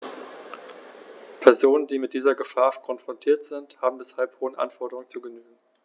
Personen, die mit dieser Gefahr konfrontiert sind, haben deshalb hohen Anforderungen zu genügen.